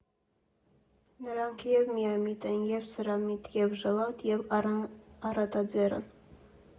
Նրանք և՛ միամիտ են, և՛ սրամիտ, և՛ ժլատ, և՛ առատաձեռն։